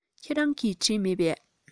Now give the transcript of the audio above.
ཁྱེད རང གིས བྲིས མེད པས